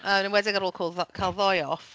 Yn enwedig ar ôl col- cael ddoe off.